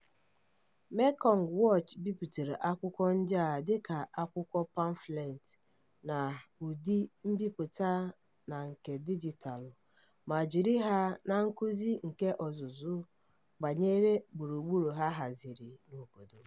Mekong Watch bipụtara Akụkọ ndịa dịka akwụkwọ pamfleetị n'ụdị mbipụta na nke dijitalụ, ma jiri ha n'nkuzi nke ọzụzụ banyere gburugburu ha haziri n'obodo.